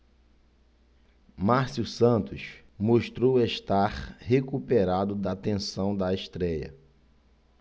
márcio santos mostrou estar recuperado da tensão da estréia